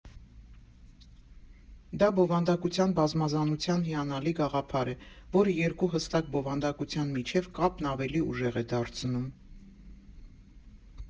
Դա բովանդակության բազմազանության հիանալի գաղափար է, որը երկու հստակ բովանդակության միջև կապն ավելի ուժեղ է դարձնում։